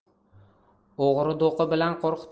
o'g'ri do'qi bilan qo'rqitar